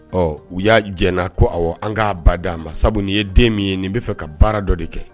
Ɔ u y'a jɛ n na ko awo, an ka ba d'a ma , sabu nin ye den min ye, nin b'a fɛ ka baara dɔ de kɛ.